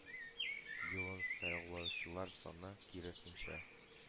Юлын сайлаучылар саны, киресенчә,